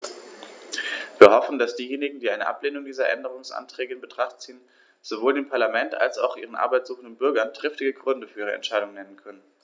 Wir hoffen, dass diejenigen, die eine Ablehnung dieser Änderungsanträge in Betracht ziehen, sowohl dem Parlament als auch ihren Arbeit suchenden Bürgern triftige Gründe für ihre Entscheidung nennen können.